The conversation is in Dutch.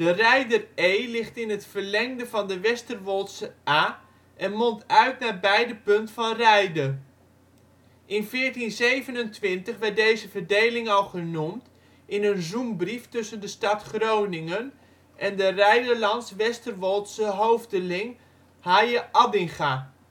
Reider Ee ligt in het verlengde van de Westerwoldse Aa en mondt uit nabij de Punt van Reide. In 1427 werd deze verdeling al genoemd in een zoenbrief tussen de stad Groningen en de Reiderlands/Westerwoldse hoofdeling Haije Addinga